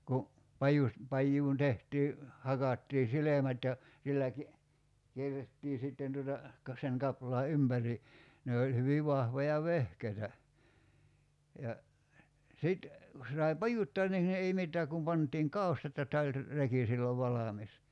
kun - pajuun tehtiin hakattiin silmät ja sillä - kierrettiin sitten tuota - sen kaplaan ympäri ne oli hyvin vahvoja vehkeitä ja sitten kun se sai pajuttaa niin ei mitään kun pantiin kaustat ja että oli reki silloin valmis